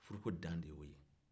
furuko dan de y'o ye